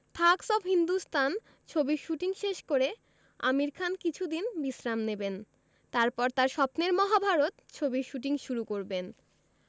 Thugs of Hindustan ছবির shooting শেষ করে আমির খান কিছুদিন বিশ্রাম নেবেন তারপর তাঁর স্বপ্নের মহাভারত ছবির শুটিং শুরু করবেন